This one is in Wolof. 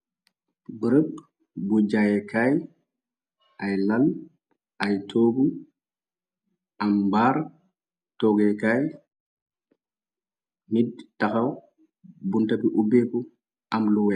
Bërëb bu jaaye kaay ay lal ay toogu am mbaar toogekaay nit taxaw buntabi ubeeku am loweex.